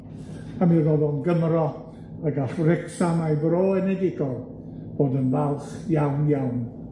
a mi ro'dd o'n Gymro y gall Wrecsam a'i fro enedigol fod yn falch iawn iawn